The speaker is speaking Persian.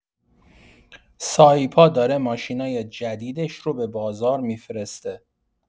سایپا داره ماشینای جدیدش رو به بازار می‌فرسته.